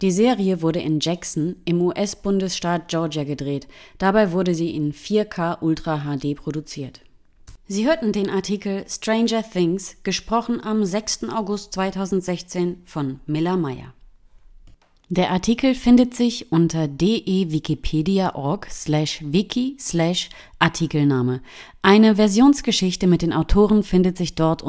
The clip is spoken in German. Serie wurde in Jackson im US-Bundesstaat Georgia gedreht. Dabei wurde sie in 4K UltraHD